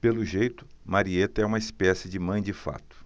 pelo jeito marieta é uma espécie de mãe de fato